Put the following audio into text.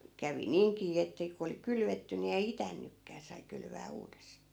kävi niinkin että kun oli kylvetty niin ei itänytkään sai kylvää uudestaan